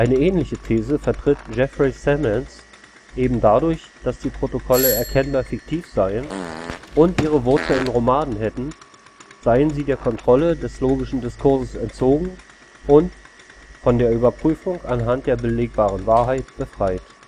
ähnliche These vertritt Jeffrey Sammons: Eben dadurch, dass die Protokolle erkennbar fiktiv seien und ihre Wurzel in Romanen hätten, seien sie der Kontrolle des logischen Diskurses entzogen und „ von der Überprüfung anhand der belegbaren Wahrheit befreit